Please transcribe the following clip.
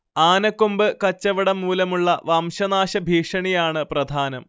ആനക്കൊമ്പ് കച്ചവടം മൂലമുള്ള വംശനാശ ഭീഷണിയാണ്‌ പ്രധാനം